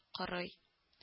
Корый